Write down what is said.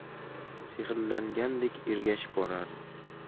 sevishganlar men bilan ishi bo'lmay qolgandi